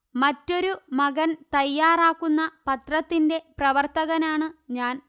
മറ്റൊരു മകൻതയ്യാറാക്കുന്ന പത്രത്തിന്റെ പ്രവർത്തകനാണ് ഞാൻ